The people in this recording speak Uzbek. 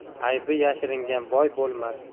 aybini yashirgan boy bo'lmas